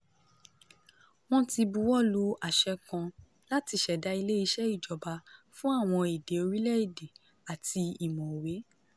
"Wọ́n ti buwọ lu àṣẹ kan láti ṣẹ̀dá Ilé-iṣẹ́ Ìjọba fún àwọn Èdè Orílẹ̀-èdè àti Ìmọ̀wé."